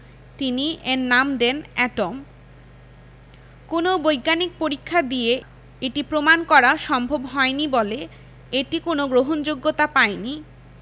তিনি এর নাম দেন এটম কোনো বৈজ্ঞানিক পরীক্ষা দিয়ে এটি প্রমাণ করা সম্ভব হয়নি বলে এটি কোনো গ্রহণযোগ্যতা পায়নি